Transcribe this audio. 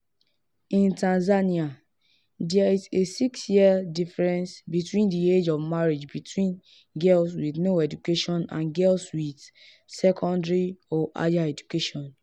In Tanzania, there is a 6-year difference between the age of marriage between girls with no education and girls with secondary or higher education.